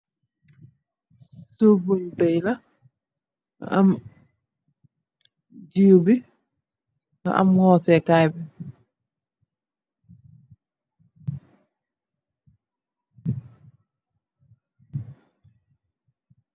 Suuf bung baai la am juuw bi nga am ngoseh kai bi.